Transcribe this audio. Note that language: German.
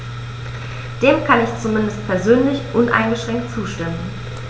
Dem kann ich zumindest persönlich uneingeschränkt zustimmen.